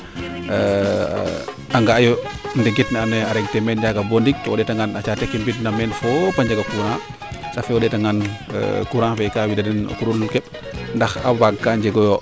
a nga a yo ndegit ne ando naye a reg te meen yaaga bo ndiik to o ndeeta ngaan a caate ke mbind na meen fop a njega yo courant o ndeeta ngaan courant fee kaa wida den o kurungun keɓ ndax a waag ka njegoyo